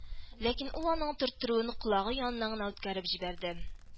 Ләкин ул аның төрттерүен колагы яныннан гына үткәреп җибәрде